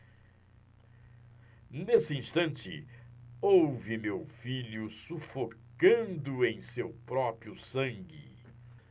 nesse instante ouvi meu filho sufocando em seu próprio sangue